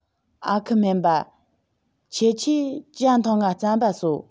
ཨ ཁུ སྨན པ ཁྱེད ཆོས ཇ ཐུངས ང རྩམ པ ཟོ